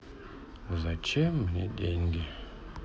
зачем мне деньги